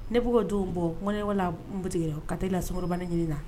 Ne b' ka don bɔ kɔnɛ wala n tigɛ ka taa la sumaworombali ɲini na